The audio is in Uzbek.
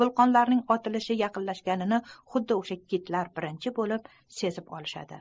vulqonlarning otilishi yaqinlashganini xuddi osha kitlar birinchi bo'lib sezib olishadi